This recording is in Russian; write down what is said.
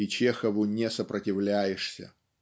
и Чехову не сопротивляешься.